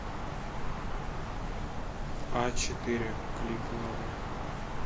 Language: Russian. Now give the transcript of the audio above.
а четыре клип новый